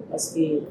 parceque